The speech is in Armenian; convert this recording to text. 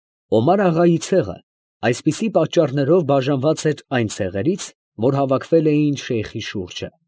Օմար֊աղայի ցեղը այսպիսի պատճառներով բաժանված էր այն ցեղերից, որ հավաքվել էին շեյխի շուրջը։